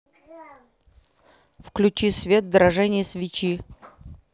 включи свет дрожание свечи